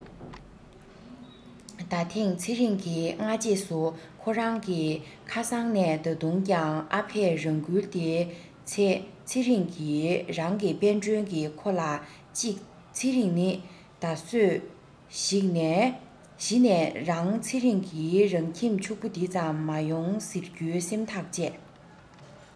ད ཐེངས ཚེ རིང གིས སྔ རྗེས སུ ཁོ རང གི ཁ སང ནས ད དུང ཀྱང ཨ ཕས རང འགུལ དེའི ཚེ ཚེ རིང གི རང གི དཔལ སྒྲོན གྱིས ཁོ ལ གཅིག ཚེ རིང ནི ད གཟོད གཞི ནས རང ཚེ རིང གི རང ཁྱིམ ཕྱུག པོ དེ ཙམ མ ཡོང ཟེར རྒྱུའི སེམས ཐག བཅད